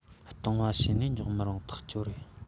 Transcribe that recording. སྟོང པ བྱོས ནས འཇོག མི རུང ཐག ཆོད རེད